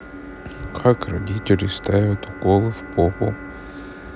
как родители ставят уколы в попу